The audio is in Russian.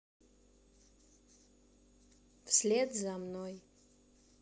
вслед за мной